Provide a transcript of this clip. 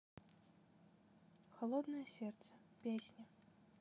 холодное сердце песни